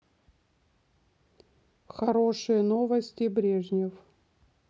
хорошие новости брежнев